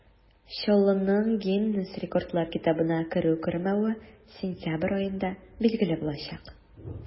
Чаллының Гиннес рекордлар китабына керү-кермәве сентябрь аенда билгеле булачак.